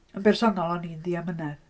Yn bersonol o'n i'n ddiamynedd.